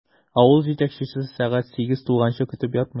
Авыл җитәкчесе сәгать сигез тулганны көтеп ятмый.